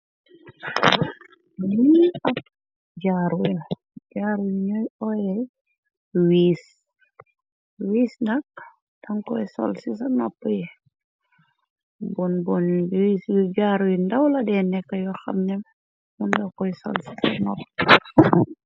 Luni ab jar jaar yu ñuy oye wiis nak tankoy sol ci ca nopp yi bon bon wiis yu jaaru yu ndawla denneka yu xamne lunga koy sol ci ca nopp.